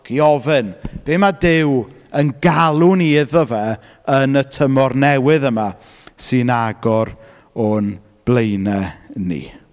I ofyn be ma' Duw yn galw ni iddo fe yn y tymor newydd yma sy'n agor o'n blaenau ni.